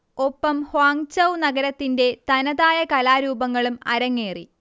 ഒപ്പം ഹ്വാങ്ചൗ നഗരത്തിന്റെ തനതായ കലാരൂപങ്ങളും അരങ്ങേറി